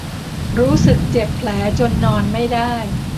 รู้สึกเจ็บแผลจนนอนไม่ได้